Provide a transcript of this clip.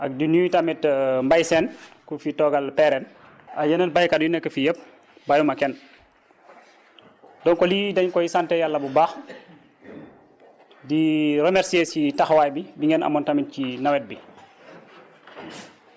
ak di nuyu tamit Mbaye Sène ku fi toogal PRN ak yeneen béykat yu nekk fii yëpp bàyyi wu ma kenn donc lii dañ koy santee yàlla bu baax di remercier si taxawaay bi bi ngeen amoon tamit ci nawet bi